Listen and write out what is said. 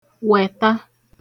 wẹ̀ta